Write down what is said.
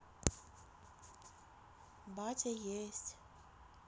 батя есть